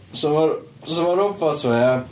So, ma'r so ma'r robot 'ma, ia...